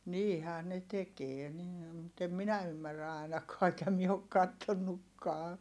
niinhän ne tekee niin mutta en minä ymmärrä ainakaan enkä minä ole katsonutkaan